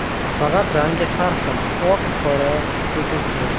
faqat rangi har xil oq qora ko'kimtir